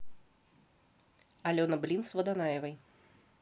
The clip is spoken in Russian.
алена блин с водонаевой